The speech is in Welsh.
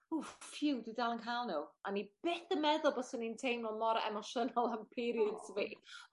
ww ffîw dwi dal yn ca'l n'w. A o'n i byth yn meddwl byswn i'n teimlo mor emosiynol am periods fi.